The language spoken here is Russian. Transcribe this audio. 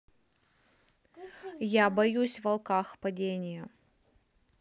я боюсь в волках падение